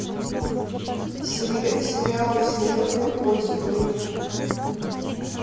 сериал вселенная поиск на ютюб